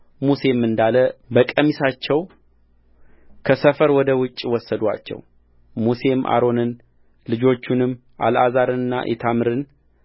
ሙሴም እንዳለ በቀሚሳቸው ከሰፈር ወደ ውጭ ወሰዱአቸውሙሴም አሮንን ልጆቹንም አልዓዛርንና ኢታምርን